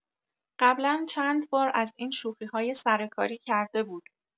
قبلا چند بار از این شوخی‌های سرکاری کرده بود.